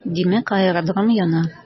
Димәк, аэродром яна.